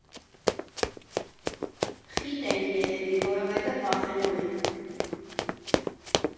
Խիտ ենք, երևի, որովհետև վախենում ենք։